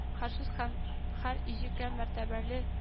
Һәр сүз һәм һәр иҗеккә мәртәбәле